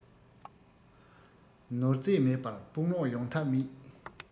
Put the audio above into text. ནོར རྫས མེད པར དཔུང རོགས ཡོང ཐབས མེད